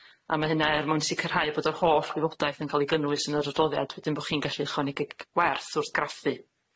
A ma' hynna er mwyn sicrhau bod yr holl gwybodaeth yn ca'l 'i gynnwys yn yr adroddiad, wedyn bo' chi'n gallu ychwanegu g- g- gwerth wrth graffu.